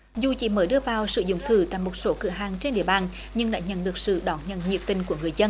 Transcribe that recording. dù chỉ mới đưa vào sử dụng thử tại một số cửa hàng trên địa bàn nhưng đã nhận được sự đón nhận nhiệt tình của người dân